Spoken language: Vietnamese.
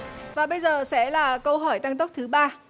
và bây giờ sẽ là câu hỏi tăng tốc thứ ba